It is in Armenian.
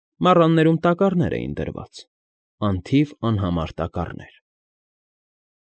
Մառաններում տակառներ էին դրված, անթիվ անհամար տակառներ։